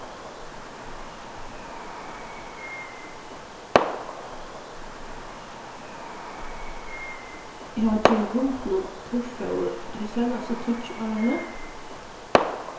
eg havi givið hundinum turrfóður tey seinastu tíggju árini